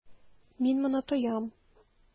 Мин моны тоям.